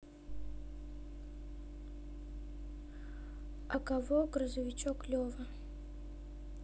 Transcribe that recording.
а кого грузовичок лева